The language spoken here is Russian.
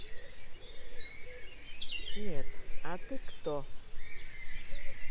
нет а ты кто